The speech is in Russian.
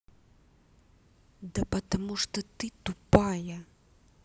ну да потому что ты тупая